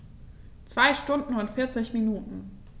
2 Stunden und 40 Minuten